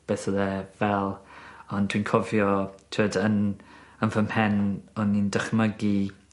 beth odd e fel. Ond dwi'n cofio t'wod yn yn fy mhen o'n i'n dychmygu